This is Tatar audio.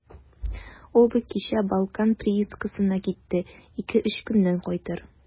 Ул бит кичә «Балкан» приискасына китте, ике-өч көннән кайтыр.